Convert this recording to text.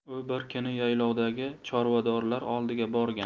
u bir kuni yaylovdagi chorvadorlar oldiga borgan